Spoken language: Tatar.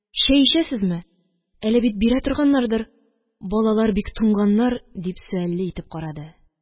– чәй эчәсезме? әле бит бирә торганнардыр, балалар бик туңганнар, – дип, сөальле итеп карады